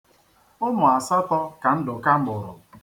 Ụmụ asatọ ka Ndụka mụrụ.